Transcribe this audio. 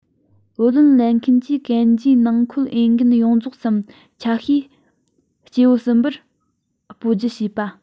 བུ ལོན ལེན མཁན གྱིས གན རྒྱའི ནང འཁོད འོས འགན ཡོངས རྫོགས སམ ཆ ཤས སྐྱེ བོ གསུམ པར སྤོ སྒྱུར བྱས བ